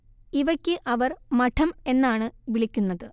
ഇവയ്ക്ക് അവർ മഠം എന്നാണ് വിളിക്കുന്നത്